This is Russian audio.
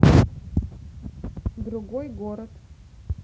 другой город